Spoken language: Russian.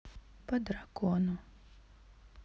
по дракону